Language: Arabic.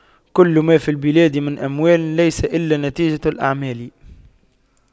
كل ما في البلاد من أموال ليس إلا نتيجة الأعمال